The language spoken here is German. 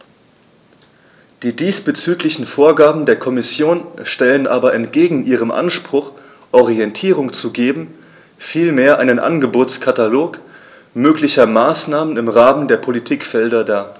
Die diesbezüglichen Vorgaben der Kommission stellen aber entgegen ihrem Anspruch, Orientierung zu geben, vielmehr einen Angebotskatalog möglicher Maßnahmen im Rahmen der Politikfelder dar.